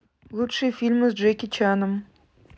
лучшие фильмы с джеки чаном